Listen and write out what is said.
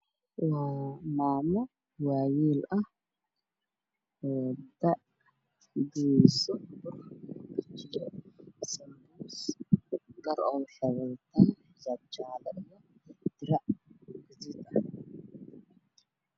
Waa maamo dubayso sambuus dubeysa saliid ayaa dabka u saaran ayaa dabka u saaran oo saliid ku jirto waxay qabtaa xijaab jaalo